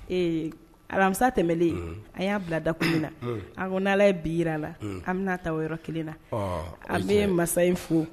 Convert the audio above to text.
Ee aramisa tɛmɛnlen an y'a bila dak min na an ko' ye bi jira a la an bɛ taa yɔrɔ kelen na an bɛ masa in fo